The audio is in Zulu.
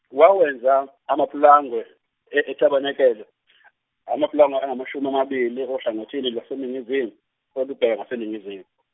wawenza, amapulangwe, e- e- etabemakele amapulangwe angamashumi amabili ohlangothini lwaseningizimu olubheka ngaseningizimu.